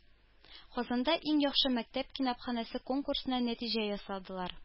Казанда “Иң яхшы мәктәп китапханәсе” конкурсына нәтиҗә ясадылар